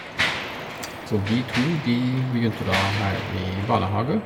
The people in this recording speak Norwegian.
Så de to, de begynte da her i barnehage.